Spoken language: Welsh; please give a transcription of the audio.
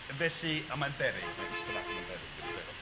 Felly a mae'n beryg, mae Ysbyddaden yn beryg dydi? .